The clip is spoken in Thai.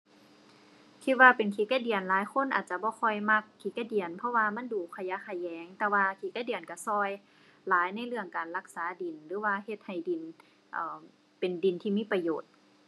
คิดว่าเป็นขี้ไก่เดือน หลายคนอาจจะบ่ค่อยมักขี้ไก่เดือน เพราะว่ามันดูขยะแขยง แต่ว่าขี้ไก่เดือนเดือนเดือนหลายในเรื่องการรักษาดิน หรือว่าเฮ็ดให้ดิน เอ่อ เป็นดินที่มีประโยชน์